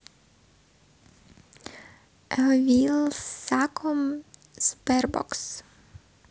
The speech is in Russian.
wylsacom sberbox